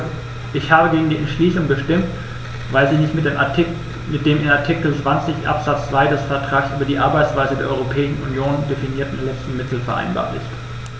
Ich habe gegen die Entschließung gestimmt, weil sie nicht mit dem in Artikel 20 Absatz 2 des Vertrags über die Arbeitsweise der Europäischen Union definierten letzten Mittel vereinbar ist.